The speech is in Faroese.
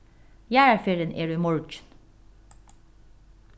jarðarferðin er í morgin